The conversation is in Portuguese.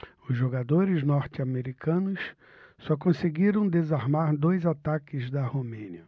os jogadores norte-americanos só conseguiram desarmar dois ataques da romênia